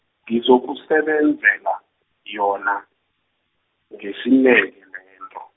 ngizokusebenzela, yona, ngesineke lento.